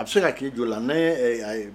A bɛ se ka k'i jɔ la, mais ee y'a ye